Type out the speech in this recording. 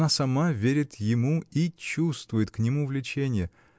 она сама верит ему и чувствует к нему влеченье